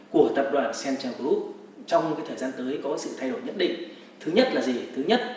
của tập đoàn xen trồ gờ rúp trong cái thời gian tới có sự thay đổi nhất định thứ nhất là gì thứ nhất